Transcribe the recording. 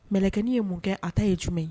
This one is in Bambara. Kɛlɛkɛ ye mun kɛ a ta ye jumɛn ye